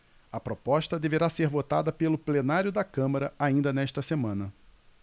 a proposta deverá ser votada pelo plenário da câmara ainda nesta semana